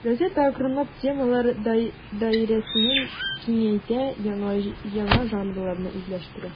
Газета акрынлап темалар даирәсен киңәйтә, яңа жанрларны үзләштерә.